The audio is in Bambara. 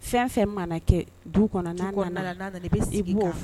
Fɛn fɛn mana kɛ du